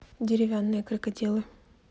деревянные крокодилы